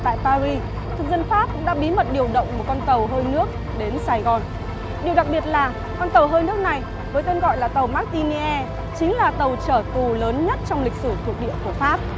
tại pa ri thực dân pháp cũng đã bí mật điều động một con tàu hơi nước đến sài gòn điều đặc biệt là con tàu hơi nước này với tên gọi là tàu mác tin ni e chính là tàu chở tù lớn nhất trong lịch sử thuộc địa của pháp